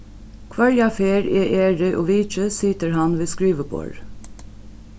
hvørja ferð eg eri og vitji situr hann við skriviborðið